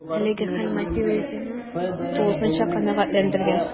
Әлеге хәл мафиозины тулысынча канәгатьләндергән: